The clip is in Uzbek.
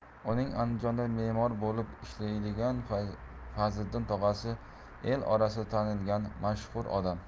uning andijonda memor bo'lib ishlaydigan fazliddin tog'asi el orasida tanilgan mashhur odam